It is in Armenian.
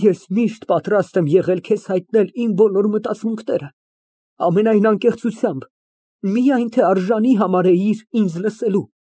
Ես միշտ պատրաստ եմ եղել քեզ հայտնել իմ բոլոր մտածմունքները, ամենայն անկեղծությամբ, միայն թե արժանի համարեիր ինձ լսելու։